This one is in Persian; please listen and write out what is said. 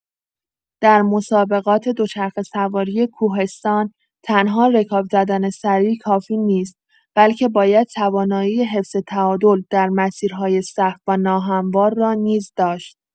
در مسابقات دوچرخه‌سواری کوهستان، تنها رکاب زدن سریع کافی نیست؛ بلکه باید توانایی حفظ تعادل در مسیرهای سخت و ناهموار را نیز داشت.